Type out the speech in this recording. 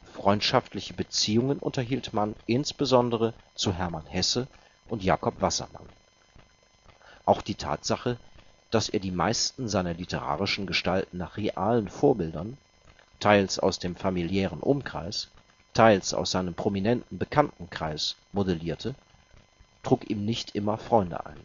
Freundschaftliche Beziehungen unterhielt Mann insbesondere zu Hermann Hesse und Jakob Wassermann. Auch die Tatsache, dass er die meisten seiner literarischen Gestalten nach realen Vorbildern, teils aus dem familiärem Umkreis, teils aus seinem prominenten Bekanntenkreis, modellierte, trug ihm nicht immer Freunde